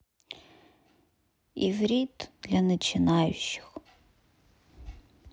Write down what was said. иврит для начинающих